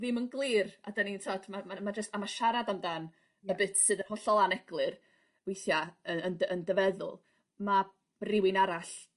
ddim yn glir a 'dan ni'n t'od ma'r ma' jys a ma' siarad amdan y bits sydd y' hollol aneglur weithia' yy yn dy yn feddwl ma' rywun arall